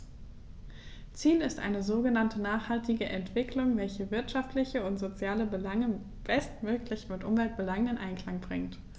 Ziel ist eine sogenannte nachhaltige Entwicklung, welche wirtschaftliche und soziale Belange bestmöglich mit Umweltbelangen in Einklang bringt.